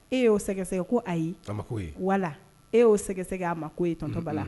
E y'o sɛgɛsɛgɛ ko ayiko wala e y'o sɛgɛsɛ a ma ko yetɔba la